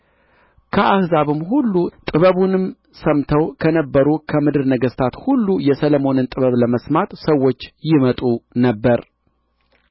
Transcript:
ከአሕዛብም ሁሉ ጥበቡንም ሰምተው ከነበሩ ከምድር ነገሥታት ሁሉ የሰሎሞንን ጥበብ ለመስማት ሰዎች ይመጡ ነበር